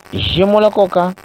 N zi bolokolɔko kan